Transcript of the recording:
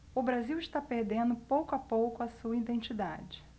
o brasil está perdendo pouco a pouco a sua identidade